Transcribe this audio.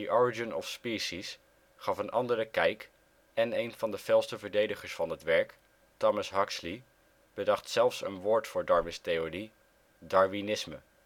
Origin of Species gaf een andere kijk en een van de felste verdedigers van het werk, Thomas Huxley bedacht zelfs een woord voor Darwins theorie; darwinisme